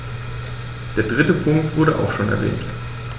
Der dritte Punkt wurde auch schon erwähnt.